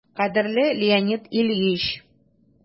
«кадерле леонид ильич!»